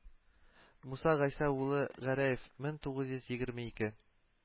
Муса Гайса улы Гәрәев мең тугыз йөз егерме ике